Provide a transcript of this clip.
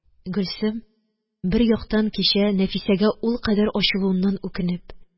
Гөлсем бер яктан кичә Нәфисәгә ул кадәр ачылуыннан үкенеп